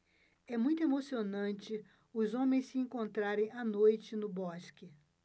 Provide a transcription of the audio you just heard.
é muito emocionante os homens se encontrarem à noite no bosque